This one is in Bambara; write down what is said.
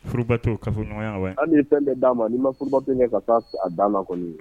Furubato, kafoɲɔgɔnya, hali ni ye fɛn bɛɛ d'a ma, ni ma furubato kɛ ka se a d'a ma kɔni